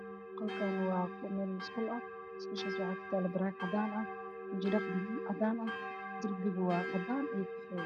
Waa musqul waxa kutalo barag cad io waji dhaq cadan ah darbiga waa cadan io kafey